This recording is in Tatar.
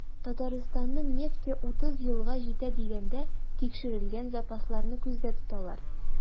Татарстанның нефте 30 елга җитә дигәндә, тикшерелгән запасларны күздә тоталар.